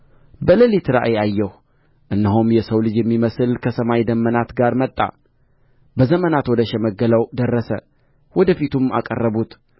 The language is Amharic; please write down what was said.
በሌሊት ራእይ አየሁ እነሆም የሰው ልጅ የሚመስል ከሰማይ ደመናት ጋር መጣ በዘመናት ወደ ሸመገለውም ደረሰ ወደ ፊቱም አቀረቡት